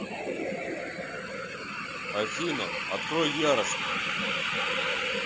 афина открой яростно